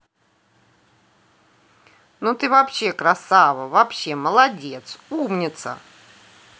ну ты вообще красава вообще молодец умница